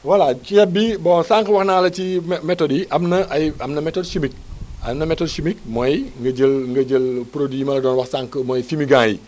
voilà ceeb bi bon sànq wax naa la ci ci méthodes yi am na ay am na méthode chimique am na méthode chimique mooy nga jël nga jël produit yi ma la wax sànq mooy fumigants yi